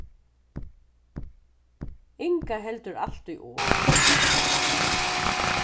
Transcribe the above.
inga heldur altíð orð